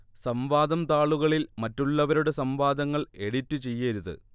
സംവാദം താളുകളിൽ മറ്റുള്ളവരുടെ സംവാദങ്ങൾ എഡിറ്റ് ചെയ്യരുത്